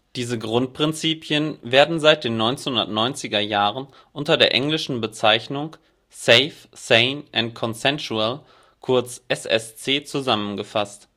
Diese Grundprinzipien werden seit den 1990er Jahren unter der englischen Bezeichnung „ safe, sane and consensual “, kurz SSC zusammengefasst